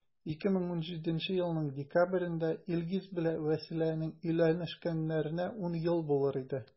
2017 елның декабрендә илгиз белән вәсиләнең өйләнешкәннәренә 10 ел булыр иде.